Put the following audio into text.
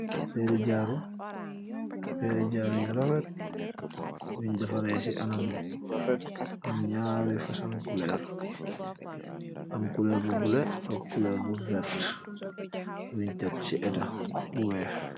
Pééri jaru, pééri jaru yu rafet buñ deffareh ci anam bu rafet am ñaari fasong ngi kulor, am kulor bu bula ak kulor bu werta buñ tek si éta bu wèèx.